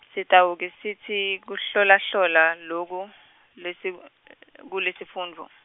Sitawuke sitsi, kuhlolahlola loku, lesi , kulesifundvo.